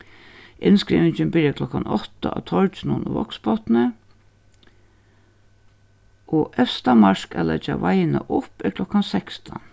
innskrivingin byrjar klokkan átta á torginum í vágsbotni og evsta mark at leggja veiðuna upp er klokkan sekstan